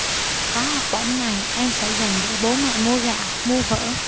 có học bổng này em sẽ dành để bố mẹ mua gạo mua vở